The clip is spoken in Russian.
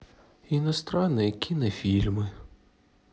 иностранные кинофильмы